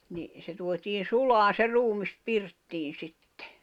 niin se tuotiin sulamaan se ruumis pirttiin sitten